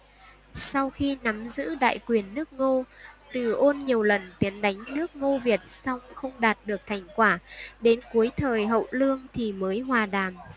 sau khi nắm giữ đại quyền nước ngô từ ôn nhiều lần tiến đánh nước ngô việt song không đạt được thành quả đến cuối thời hậu lương thì mới hòa đàm